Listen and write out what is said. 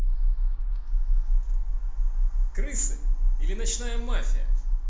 крысы или ночная мафия